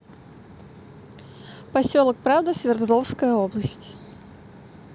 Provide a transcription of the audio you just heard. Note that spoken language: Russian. поселок павда свердловская область